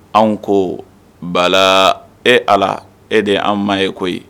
Anw ko bala e ala e de ye an' ye ko koyi